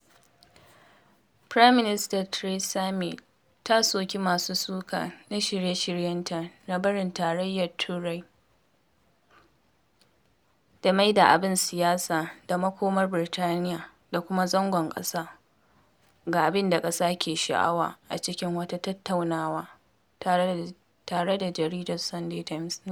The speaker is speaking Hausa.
Firaminista Theresa May ta soki masu suka na shirye-shiryenta na barin Tarayyar Turai da “maida abin siyasa” da makomar Birtaniyya da kuma zagon ƙasa ga abin da ƙasa ke sha’awa a cikin wata tattaunawa tare da jaridar Sunday Times.